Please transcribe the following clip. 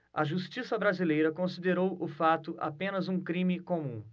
a justiça brasileira considerou o fato apenas um crime comum